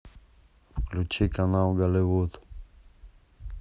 включи канал голливуд